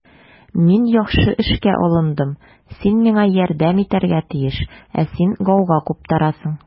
Мин яхшы эшкә алындым, син миңа ярдәм итәргә тиеш, ә син гауга куптарасың.